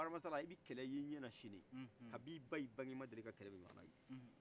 bakari hama sala ibi kɛlɛ ye i ɲɛnna sini ka b'i ba y'i baŋe i ma deli ka kɛlɛ minɲɔgɔnna ye